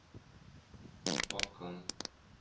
Ваткан